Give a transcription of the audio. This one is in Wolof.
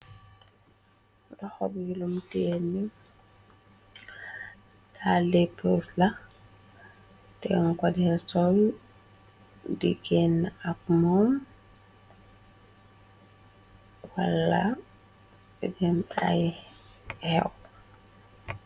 Loxo bi lum teye dalle posla tenkode sol digene ak moon wala gen ay heo.